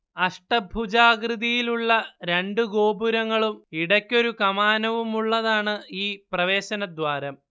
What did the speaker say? അഷ്ടഭുജാകൃതിയിലുള്ള രണ്ടു ഗോപുരങ്ങളും ഇടയ്ക്കൊരു കമാനവുമുള്ളതാണ് ഈ പ്രവേശനദ്വാരം